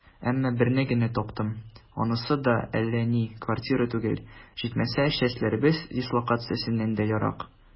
Әмма берне генә таптым, анысы да әллә ни квартира түгел, җитмәсә, частьләребез дислокациясеннән дә ерак.